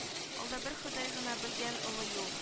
Алда бер ходай гына белгән олы юл